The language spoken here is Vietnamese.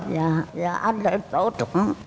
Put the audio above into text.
dạ ăn đó tốt lắm